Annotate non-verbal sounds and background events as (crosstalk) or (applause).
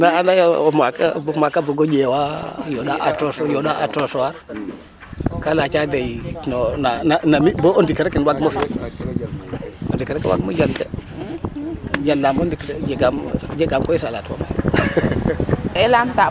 Ndaa anda yee o maak ke o maak o bug o ƴeewaa (crosstalk) yoɗa a tos (crosstalk) kaa yaaca doywar na mi a ndik rek waagmo fi' (crosstalk) o ndik rek waagmo jal de jalaam o ndik de jegaam ndaa kaaga koy salato. (laughs)